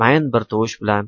mayin bir tovush bilan